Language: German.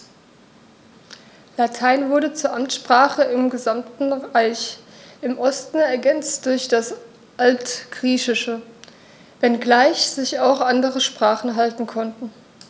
Latein wurde zur Amtssprache im gesamten Reich (im Osten ergänzt durch das Altgriechische), wenngleich sich auch andere Sprachen halten konnten.